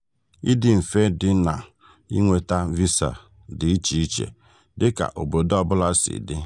idi mfe dị n'inweta visa dị icheiche dịka obodo ọbula si dị.